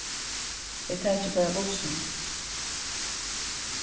eg taki bara bussin